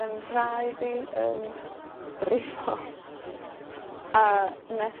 'yn rhaed i yn brifo. A nes